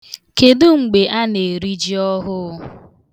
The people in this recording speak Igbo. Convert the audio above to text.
Kedu mgbe a na-eri ji ọhụụ?